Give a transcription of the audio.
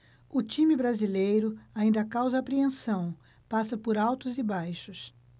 o time brasileiro ainda causa apreensão passa por altos e baixos